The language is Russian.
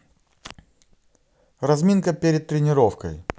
разминка перед тренировкой